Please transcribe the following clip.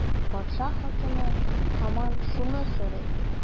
Патша хатыны һаман шуны сорый.